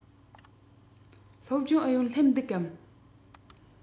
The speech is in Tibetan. སློབ སྦྱོང ཨུ ཡོན སླེབས འདུག གམ